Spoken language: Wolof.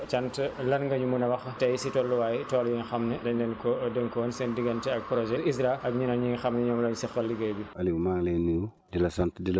gannaaw sa nuyoo ak sa cant lan nga ñu mun a wax tey si tolluwaay tool yi nga xam ne dañ leen koo dénkoon seen diggante ak projet ISRA ak ñeneen ñi nga xam ne ñoom lañ seqal liggéey bi